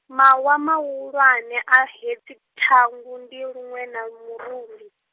mawa mahulwane a hedzi ṱhangu, ndi luṅwe na murumbi.